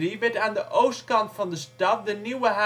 In 1603 werd aan de oostkant van de stad de Nieuwe